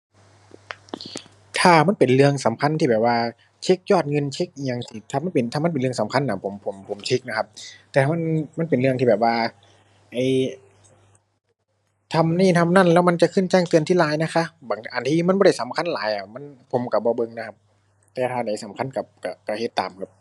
ถ้ามันเป็นเรื่องสำคัญที่แบบว่าเช็กยอดเงินเช็กอิหยังจั่งซี้ ถ้ามันเป็น ถ้ามันเป็นเรื่องสำคัญน่ะ ผม ผม ผมเช็กนะครับ แต่ถ้ามัน มันเป็นเรื่องที่แบบว่า ไอ้ ทำนี่ทำนั่นแล้วมันจะขึ้นแจ้งเตือนที่ LINE นะคะ บางอันที่มันบ่ได้สำคัญหลายอะ มัน ผมก็บ่เบิ่งนะครับ แต่ถ้าอันใดสำคัญก็ ก็ ก็เฮ็ดตามครับ